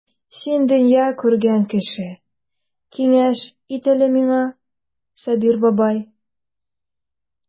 Син дөнья күргән кеше, киңәш ит әле миңа, Сабир бабай.